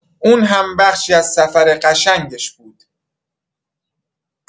اون هم بخشی از سفر قشنگش بود.